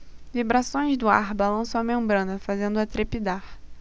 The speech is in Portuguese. vibrações do ar balançam a membrana fazendo-a trepidar